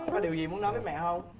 có điều gì muốn nói với mẹ không